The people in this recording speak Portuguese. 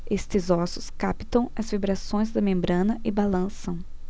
estes ossos captam as vibrações da membrana e balançam